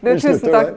vi slutter der.